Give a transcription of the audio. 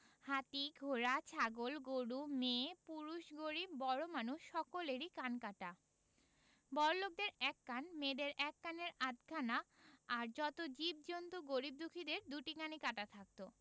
হাতি ঘোড়া ছাগল গরু মেয়ে পুরুষ গরিব বড়োমানুয সকলেরই কান কাটা বড়োলোকদের এক কান মেয়েদের এক কানের আধখানা আর যত জীবজন্তু গরিব দুঃখীদের দুটি কানই কাটা থাকত